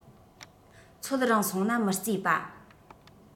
ཚོད རིང སོང ན མི རྩེ པ